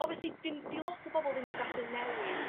obviously din- 'di lot o bobol ddim yn gallu newid